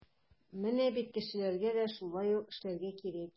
Менә бит кешеләргә дә шулай ук эшләргә кирәк.